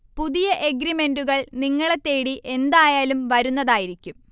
പുതിയ എഗ്രീമ്ന്റുകൾ നിങ്ങളെ തേടി എന്തായാലും വരുന്നതായിരിക്കും